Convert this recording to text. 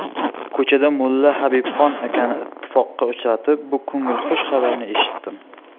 ko'chada mulla habibxon akani ittifoqo uchratib bu ko'ngilxush xabarni eshitdim